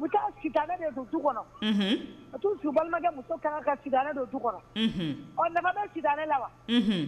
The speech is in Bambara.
U bɛ taa sitanɛ de don du kɔnɔ ka t'u sigi u balimakɛ muso kan ka sitanɛ don du kɔnɔ ɔ nafa bɛ sitanɛ la wa